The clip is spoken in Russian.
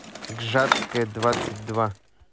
гжатская двадцать два